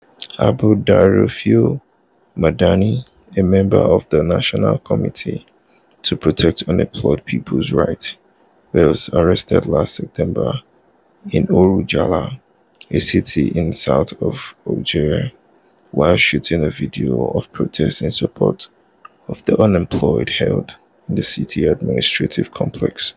Abderaouf Madani, a member of the national committee to protect unemployed people's rights, was arrested last September in Ouargla, a city in the south of Algeria, while shooting a video of protests in support of the unemployed held in the city's administrative complex.